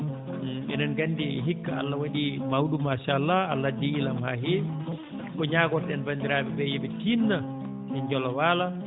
eɗen ngandi hikka Allah waɗii mawɗum machallah Allah addii ilam haa heewi ko ñaagotoɗen banndiraaɓe ɓee yo ɓe tinno ɓe joola waala